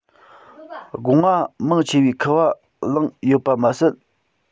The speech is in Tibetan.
སྒོ ང མང ཆེ བའི ཁུ བ བླངས ཡོད པ མ ཟད